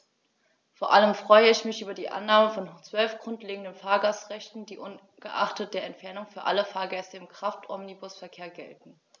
Vor allem freue ich mich über die Annahme von 12 grundlegenden Fahrgastrechten, die ungeachtet der Entfernung für alle Fahrgäste im Kraftomnibusverkehr gelten.